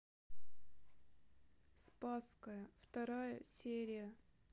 спасская вторая серия